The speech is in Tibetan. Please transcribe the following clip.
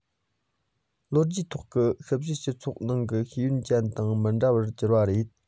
ལོ རྒྱུས ཐོག གི བཤུ གཞོག སྤྱི ཚོགས ནང གི ཤེས ཡོན ཅན དང མི འདྲ བར གྱུར པ རེད